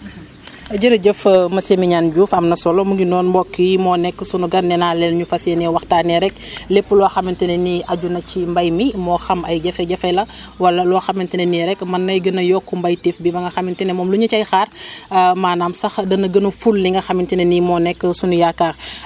jërëjëf monsieur Mignane Diouf am na solo mu ngi noonu mbokk yi moo nekk sunu gan nee naa leen ñu fas yéene waxtaanee rek lépp loo xamante ne ni aju na ci mbéy mi moo xam ay jafe-jafe la wala loo xamante ne ni rek mën nay gën a yokk mbéytéef bi ba nga xamante ne moom lu ñu cay xaar maanaam sax dana gën a ful li nga xamante ne ni moo nekk sunu yaakaar